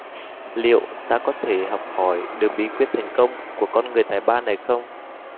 liệu ta có thể học hỏi được bí quyết thành công của con người tài ba này không